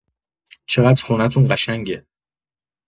چقدر خونه‌تون قشنگه!